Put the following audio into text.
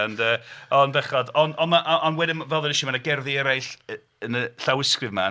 Ond yy... ond bechod... ond ma- ond wedyn fel ddwedais i, mae 'na gerddi eraill y- yn y llawysgrif 'ma...